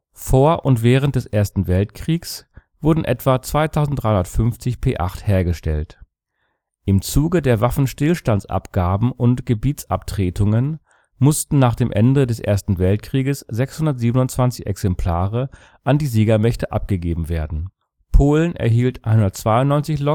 Vor und während des Ersten Weltkriegs wurden etwa 2350 P8 hergestellt. Im Zuge der Waffenstillstandsabgaben und Gebietsabtretungen mussten nach dem Ende des Ersten Weltkrieges 627 Exemplare an die Siegermächte abgegeben werden. Polen erhielt 192